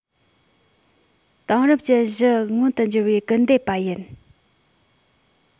དེང རབས ཅན བཞི མངོན དུ འགྱུར བའི སྐུལ འདེད པ ཡིན